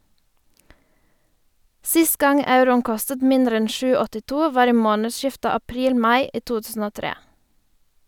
Sist gang euroen kostet mindre enn 7,82, var i månedsskiftet april-mai i 2003.